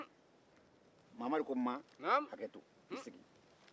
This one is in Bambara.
mamari ko ma hakɛto i sigi